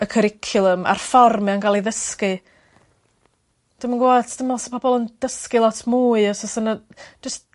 y cwricwlwm ar ffor mae o'n ga'l ei ddysgu dwi'm yn gwbo t'mo os ma' pobol yn dysgu lot mwy os o's yna jys